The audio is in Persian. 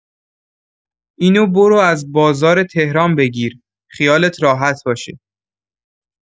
اینو برو از بازار تهران بگیر، خیالت راحت باشه.